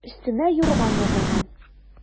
Өстемә юрган ябылган.